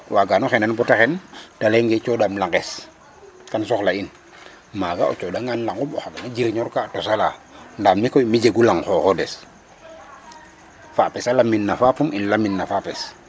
Waagano xendan boo ta xen ta layange coɗaam langes kaam soxla'in maaga coɗangaan langum ten a jirñnorka a tos ala nda mikoy mi jegu lang xooxoodes fapes a lamin no fapum im lamin no fapes .